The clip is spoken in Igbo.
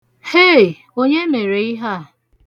Hei! onye mere ihe a?